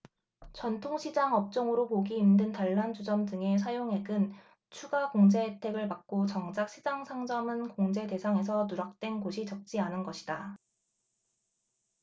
전통시장 업종으로 보기 힘든 단란주점 등의 사용액은 추가 공제 혜택을 받고 정작 시장 상점은 공제 대상에서 누락된 곳이 적지 않은 것이다